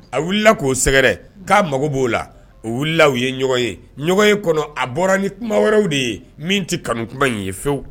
A wulila k'o sɛgɛrɛ k'a mako b'o la o wulila u ye ɲɔgɔn ye ɲɔgɔn ye kɔnɔ a bɔra ni kuma wɛrɛw de ye min tɛ kanu kuma in ye pewu.